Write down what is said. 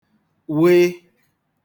wụị